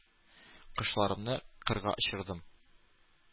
Кошларымны кырга очырдым.